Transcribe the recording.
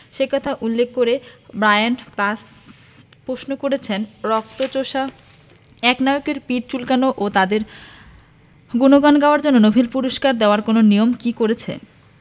সে কথা উল্লেখ করে ব্রায়ান ক্লাস প্রশ্ন করেছেন রক্তচোষা একনায়কদের পিঠ চুলকানো ও তাঁদের গুণগান গাওয়ার জন্য নোবেল পুরস্কার দেওয়ার কোনো নিয়ম কি করেছে